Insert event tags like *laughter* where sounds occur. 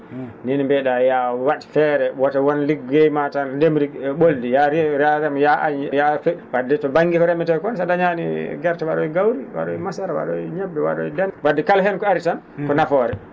*smacks lips* ni ne mbiyete?aa yo a wa? feere wata won liggey ma tan ndemri ?oldi yo a rewi % wadde to ba?nge ko remetee ko so dañaani gerte wa?oy gawri wa?oy masara wa?oy ñebbe wañay * wadde kala heen ko ari tan ko nafoore